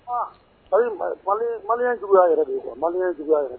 Ɔn c'est à dire que Malien ye juguyaya yɛrɛ de kuwa Malien yejuguyaya yɛrɛ